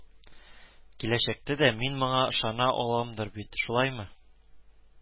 Киләчәктә дә мин моңа ышана аламдыр бит, шулаймы